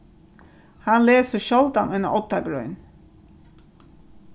hann lesur sjáldan eina oddagrein